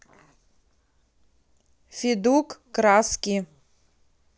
feduk краски